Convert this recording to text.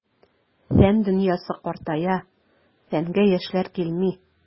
Фән дөньясы картая, фәнгә яшьләр килми.